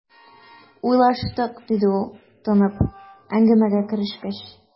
"уйлашыйк", - диде ул, тынып, әңгәмәгә керешкәч.